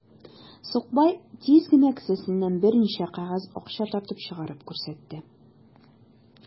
Сукбай тиз генә кесәсеннән берничә кәгазь акча тартып чыгарып күрсәтте.